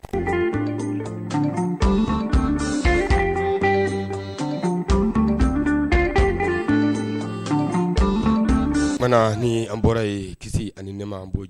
Mana ni an bɔra ye kisi ani nɛma bɔ